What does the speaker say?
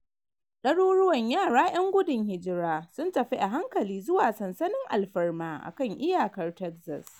Daruruwan yara 'Yan gudun hijira sun tafi a hankali zuwa sansanin alfarma a kan iyakar Texas